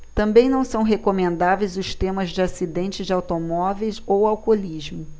também não são recomendáveis os temas de acidentes de automóveis ou alcoolismo